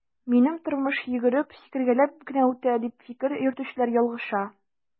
Минем тормыш йөгереп, сикергәләп кенә үтә, дип фикер йөртүчеләр ялгыша.